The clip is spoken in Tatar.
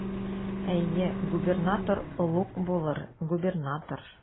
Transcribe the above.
Әйе, губернатор олуг булыр, губернатор.